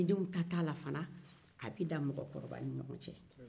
ni denw ta t'a la fana a bɛ dan mɔgɔ kɔrɔbaw ni ɲɔgɔn cɛ